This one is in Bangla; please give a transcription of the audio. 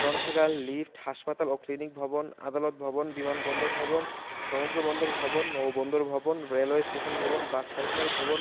গ্রন্থাগান লিফট হাসপাতাল ও ক্লিনিক ভবন আদালত ভবন বিমানবন্দর ভবন সমুদ্র বন্দর ভবন নৌ বন্দর ভবন রেলওয়ে স্টেশন ভবন বাস টার্মিনাল ভবন